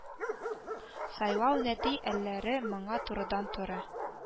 Сайлау нәти әләре моңа турыдан-туры